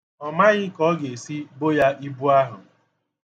Ọ maghị ka ọ ga-esi bo ya ibu ahụ.